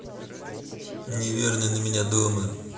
неверный на меня дома